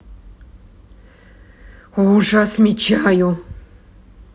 ужас мечаю